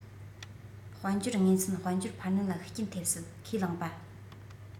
དཔལ འབྱོར དངོས ཚན དཔལ འབྱོར འཕར སྣོན ལ ཤུགས རྐྱེན ཐེབས སྲིད ཁས བླངས པ